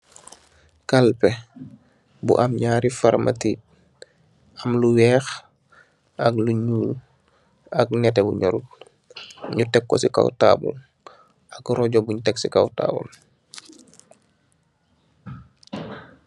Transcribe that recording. Kalpèh bu ñaari farmiti am lu wèèx ak lu ñuul ak neteh bu ñorut ngi tek ko ci kaw tabull ak rajo bunj tek ci kaw tabull.